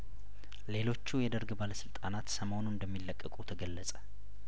ሌሎቹ የደርግ ባለስልጣናት ሰሞኑን እንደሚለቀቁ ተገለጸ